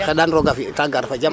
xeɗan roog a fi' ta gar fa jam.